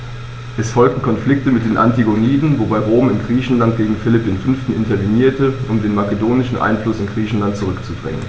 Es folgten Konflikte mit den Antigoniden, wobei Rom in Griechenland gegen Philipp V. intervenierte, um den makedonischen Einfluss in Griechenland zurückzudrängen.